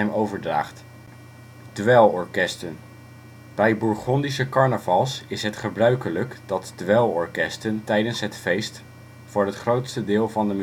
overdraagt. Dweilorkesten. Bij Bourgondische carnavals is het gebruikelijk dat dweilorkesten tijdens het feest voor het grootste deel van de muziek